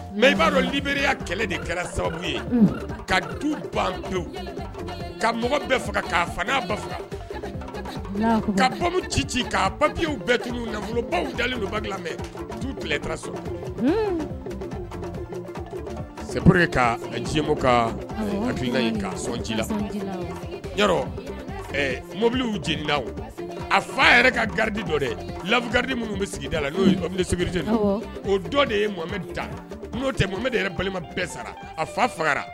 Mɛ i b'a dɔn briruyaya kɛlɛ de kɛra sababu ye ka du ban pewu ka mɔgɔ bɛɛ faga'a fa' ba faga ka ci ci banpi bɛɛ du so sɛp'mu ka son ci la ya mɔbili jina a fa yɛrɛ ka garidi dɔ dɛ labi garidi minnu bɛ sigida labili la o dɔ de ye mɔmɛ ta n'o tɛmɛ de yɛrɛ balima bɛɛ sara a fa faga